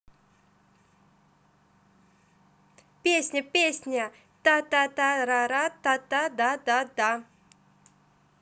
песня песня тататаратата да да да да